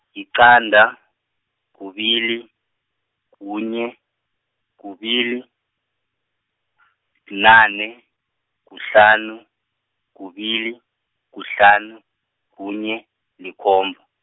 yiqanda, kubili, kunye, kubili, bunane, kuhlanu, kubili, kuhlanu, kunye, likhomba.